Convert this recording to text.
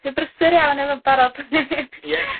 chi'n brysur iawn efo'n barod. Ie.